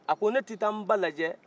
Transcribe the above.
a ko ne t'itaa nba lajɛ